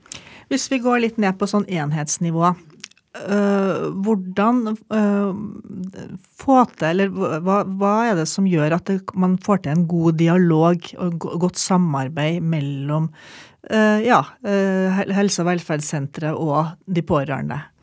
hvis vi går litt ned på sånn enhetsnivå hvordan få til eller hva hva er det som gjør at det man får til en god dialog og godt samarbeid mellom ja helse- og velferdssentre og de pårørende?